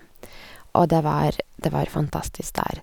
Og det var det var fantastisk der.